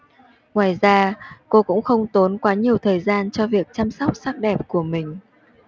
ngoài ra cô cũng không tốn quá nhiều thời gian cho việc chăm sóc sắc đẹp của mình